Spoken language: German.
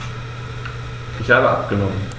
Ich habe abgenommen.